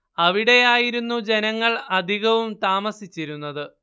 അവിടെയായിരുന്നു ജനങ്ങൾ അധികവും താമസിച്ചിരുന്നത്